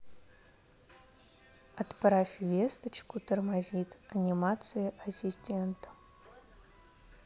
отправь весточку тормозит анимация ассистента